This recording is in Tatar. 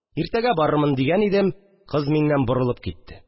«иртәгә барырмын», – дигән идем, кыз миннән борылып китте